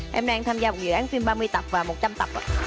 em đang tham gia một dự án phim ba mươi tập và một trăm tập ạ